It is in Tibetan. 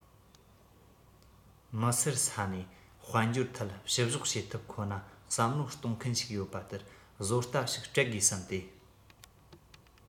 མི སེར ས ནས དཔལ འབྱོར ཐད བཤུ གཞོག བྱེད ཐབས ཁོ ན བསམ བློ གཏོང མཁན ཞིག ཡོད པ དེར བཟོ ལྟ ཞིག སྤྲད དགོས བསམས ཏེ